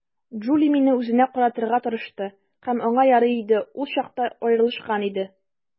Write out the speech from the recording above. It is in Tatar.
Джули мине үзенә каратырга тырышты, һәм аңа ярый иде - ул чакта аерылышкан иде.